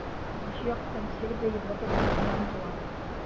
Икенче яктан, Сербия Европа Берлегенә омтыла.